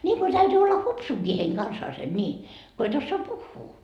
niin kuin täytyy olla hupsunakin heidän kanssaan niin kun et osaa puhua